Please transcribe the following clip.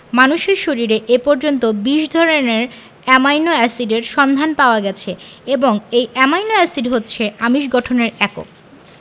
মানুষের শরীরে এ পর্যন্ত ২০ ধরনের অ্যামাইনো এসিডের সন্ধান পাওয়া গেছে এবং এই অ্যামাইনো এসিড হচ্ছে আমিষ গঠনের একক